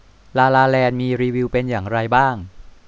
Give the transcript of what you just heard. ลาลาแลนด์มีรีวิวเป็นอย่างไรบ้าง